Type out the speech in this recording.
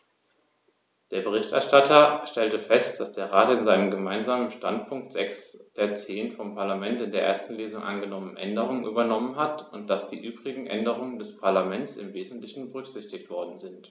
Der Berichterstatter stellte fest, dass der Rat in seinem Gemeinsamen Standpunkt sechs der zehn vom Parlament in der ersten Lesung angenommenen Änderungen übernommen hat und dass die übrigen Änderungen des Parlaments im wesentlichen berücksichtigt worden sind.